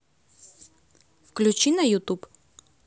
переключи на ютюб